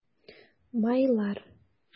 Майлар